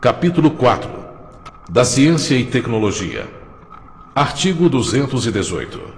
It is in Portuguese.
capítulo quarto da ciência e tecnologia artigo duzentos e dezoito